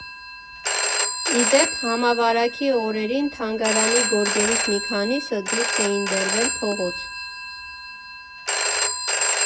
Ի դեպ, համավարակի օրերին թանգարանի գորգերից մի քանիսը դուրս էին բերվել փողոց։